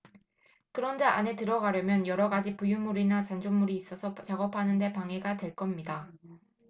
그런데 안에 들어가려면 여러 가지 부유물이나 잔존물이 있어서 작업하는 데 방해가 될 겁니다